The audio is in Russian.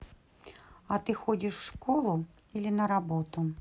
а ты ходишь в школу или на работу